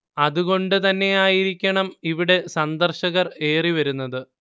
അത് കൊണ്ട് തന്നെയായിരിക്കണം ഇവിടെ സന്ദർശകർ ഏറിവരുന്നത്